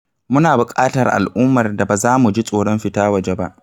Muna buƙatar al'ummar da ba za mu ji tsoron fita waje ba!